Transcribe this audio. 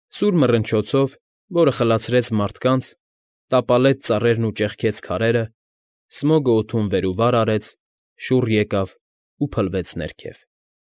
Սուր մռնչոցով, որը խլացրեց մարդկանց, տապալեց ծառերն ու ճեղքեց քարերը, Սմոգը օդում վեր ու վար արեց, շուռ եկավ ու փլվեց ներքև։